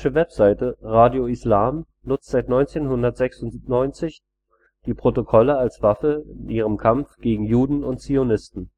Webseite Radio Islam nutzt seit 1996 die Protokolle als Waffe in ihrem Kampf gegen Juden und Zionisten